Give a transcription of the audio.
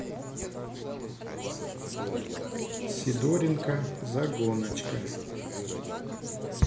сидоренко за гоночка